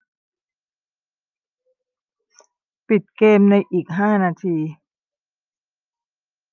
ปิดเกมส์ในอีกห้านาที